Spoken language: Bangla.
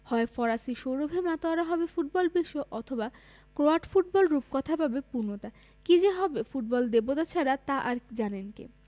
হয় ফরাসি সৌরভে মাতোয়ারা হবে ফুটবলবিশ্ব অথবা ক্রোয়াট ফুটবল রূপকথা পাবে পূর্ণতা কী যে হবে ফুটবল দেবতা ছাড়া তা আর জানেন কে